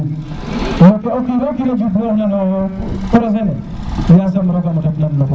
te o kino kin na xeɗa roog porose ne yaasa rooga motan na in